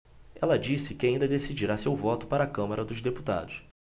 ela disse que ainda decidirá seu voto para a câmara dos deputados